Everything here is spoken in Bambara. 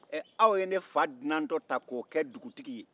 ɛɛ aw ye ne fa dunantɔ ta k'o kɛ dugutigi ye